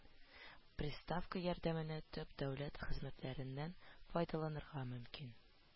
Приставка ярдәмендә төп дәүләт хезмәтләреннән файдаланырга мөмкин